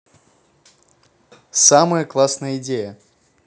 самая классная идея